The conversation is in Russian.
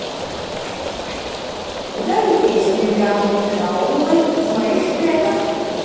удали песню юлианны карауловой из моих треков